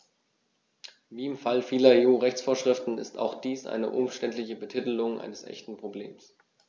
Wie im Fall vieler EU-Rechtsvorschriften ist auch dies eine umständliche Betitelung eines echten Problems.